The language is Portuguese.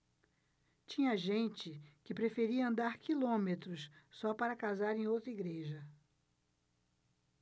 tinha gente que preferia andar quilômetros só para casar em outra igreja